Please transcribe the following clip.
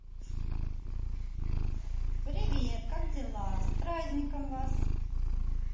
привет как дела с праздником вас